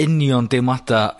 ...union deimlada